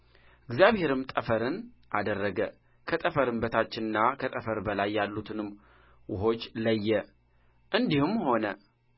እግዚአብሔርም ጠፈርን አደረገ ከጠፈር በታችና ከጠፈር በላይ ያሉትንም ውኆች ለየ እንዲሁም ሆነ